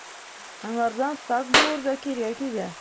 Аңардан сак булырга кирәк иде.